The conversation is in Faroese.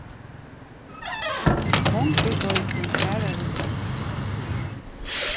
mong er geitin aðrari lík